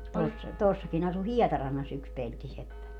tuossa tuossakin asui Hietarannassa yksi peltiseppä